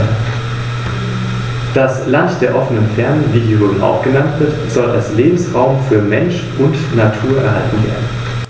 Eine länderübergreifende Arbeitsgruppe, in der hauptamtliche und ehrenamtliche Naturschützer vertreten sind, dient dazu, Strategien und Maßnahmen über die Bundesländergrenzen hinweg abzustimmen.